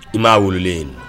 I m'a wulen